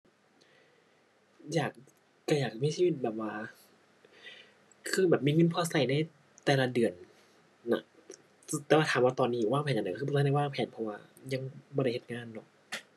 อยาก ก็อยากมีชีวิตแบบว่า คือแบบ มีเงินพอก็ในแต่ละเดือนน่ะ แต่ว่าถามว่าตอนนี้วางแผนจั่งใด ก็คือบ่ทันได้วางแผน เพราะว่ายังบ่ได้เฮ็ดงานเนาะ